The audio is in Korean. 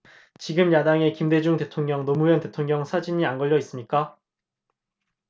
지금 야당에 김대중 대통령 노무현 대통령 사진 안 걸려 있습니까